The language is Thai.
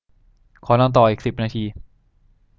ขอนอนต่ออีกสิบนาที